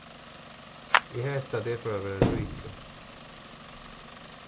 eg helt at eg fór at verða ríkur